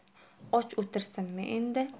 och o'tirsinmi endi